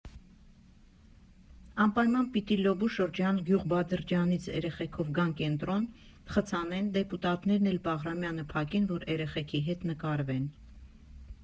Անպայման պիտի Լոբու շրջան գյուղ Բադրջանից էրեխեքով գան կենտրոն, խցանեն, դեպուտատներն էլ Բաղրամյանը փակեն, որ էրեխեքի հետ նկարվեն։